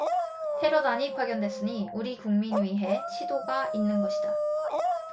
테러단이 파견됐으니 우리국민 위해 시도가 있는 것이다